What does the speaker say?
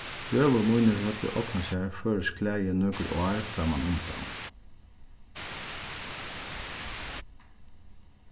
brøður mínir høvdu ognað sær føroysk klæðir nøkur ár frammanundan